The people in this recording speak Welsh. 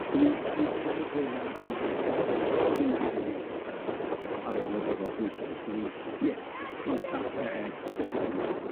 Swn i swn i'n deud bod hwn yy yn yy Hwngari yy ar ôl y rhyfel dwytha, a swn i, ie, ma'n Kafka-esque, ond,